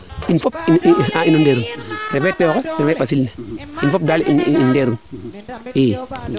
in fop njegun refe tewoxe refe ɓasil ne in fop daal in ndeerun i